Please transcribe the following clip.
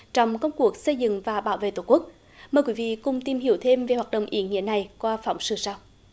trong công cuộc xây dựng và bảo vệ tổ quốc mời quý vị cùng tìm hiểu thêm về hoạt động ý nghĩa này qua phóng sự sau